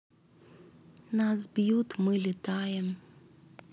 нас бьют мы летаем